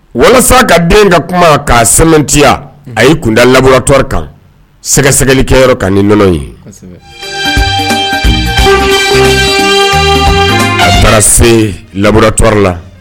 Walasa ka den ka kuma k'a sɛtiya a y'i kunda labratɔ kan sɛgɛsɛgɛlikɛ yɔrɔ ka ni nɔnɔ ye a taara se laratɔ la